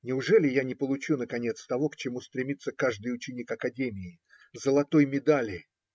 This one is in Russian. Неужели я не получу, наконец, того, к чему стремится каждый ученик академии, золотой медали?